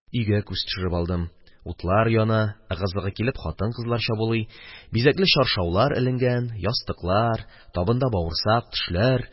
Өйгә күз төшереп алдым: утлар яна, ыгы-зыгы килеп хатын-кызлар чабулый, бизәкле чаршаулар эленгән, ястыклар, табында бавырсак, төшләр.